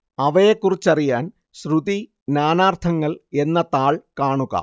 അവയെക്കുറിച്ചറിയാൻ ശ്രുതി നാനാർത്ഥങ്ങൾ എന്ന താൾ കാണുക